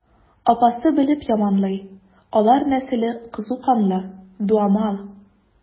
Апасы белеп яманлый: алар нәселе кызу канлы, дуамал.